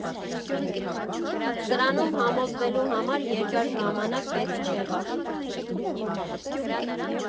Սրանում համոզվելու համար երկար ժամանակ պետք չեղավ.